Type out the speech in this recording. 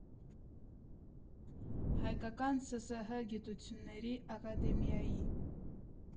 Հայկական ՍՍՀ Գիտությունների Ակադեմիայի։